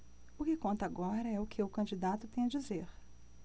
o que conta agora é o que o candidato tem a dizer